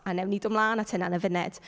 A wnawn ni dod ymlaen at hynna yn y funud.